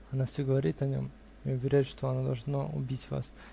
Она все говорит о нем и уверяет, что оно должно убить вас.